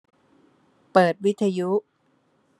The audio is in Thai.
เปิดวิทยุ